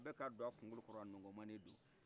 a bɛ ka a don a kukolo kɔrɔ a nɔnkɔnmalen do